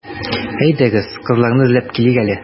Әйдәгез, кызларны эзләп килик әле.